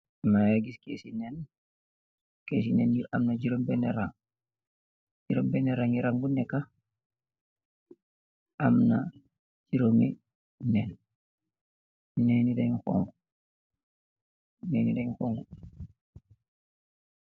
Maaga gis keesi nen. Keesi nen yi am na jiróom benne ràng. Jiróom benne ràng gi, ràngu nekka, am na jiróomi nen. Nen yi dañ xongu.